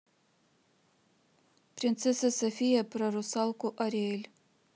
принцесса софия про русалку ариэль